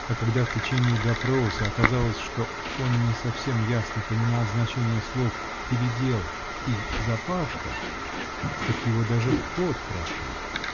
а когда в течение "допроса" оказалось, что он не совсем ясно понимал значение слов: "передел" и "запашка" -- так его даже пот прошиб.